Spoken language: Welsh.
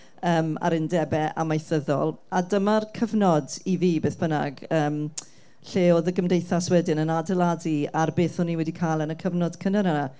yym a'r undebau amaethyddol a dyma'r cyfnod i fi, beth bynnag yym lle oedd y gymdeithas wedyn yn adeiladu ar beth o'n i wedi cael yn y cyfnod cynnar yna